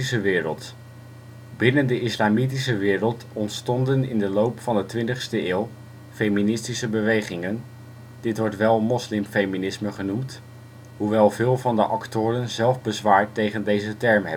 wereld - Binnen de islamitische wereld ontstonden in de loop van de twintigste eeuw feministische bewegingen, dit wordt wel moslimfeminisme genoemd, hoewel veel van de actoren zelf bezwaar tegen deze term